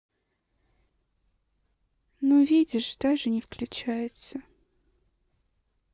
ну видишь даже не включается